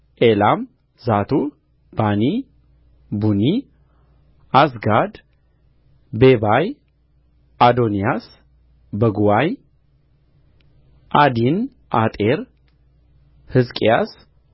ኤላም ዛቱዕ ባኒ ቡኒ ዓዝጋድ ቤባይ አዶንያስ በጉዋይ ዓዲን አጤር ሕዝቅያስ